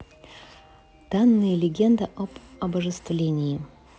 данные легенда об обожествлении